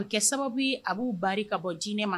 Bɛ kɛ sababu a b'u barré ka bɔ diinɛ ma